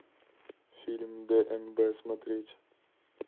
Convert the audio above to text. фильм дмб смотреть